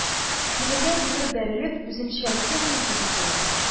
Тимергә тимер бәрелеп, үзенчәлекле музыка туа